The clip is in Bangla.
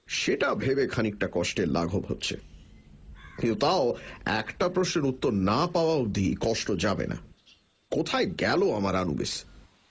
সেটা ভেবে খানিকটা কষ্টের লাঘব হচ্ছে কিন্তু তাও একটা প্রশ্নের উত্তর না পাওয়া অবধি কষ্ট যাবে না কোথায় গেল আমার আনুবিস